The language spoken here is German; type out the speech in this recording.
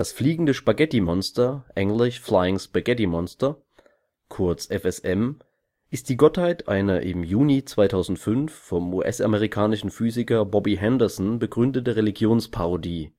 Fliegende Spaghettimonster (englisch Flying Spaghetti Monster, kurz: FSM) ist die Gottheit einer im Juni 2005 vom US-amerikanischen Physiker Bobby Henderson begründeten Religionsparodie